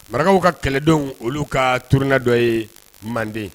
Marakaw ka kɛlɛdenw olu ka turunina dɔ ye manden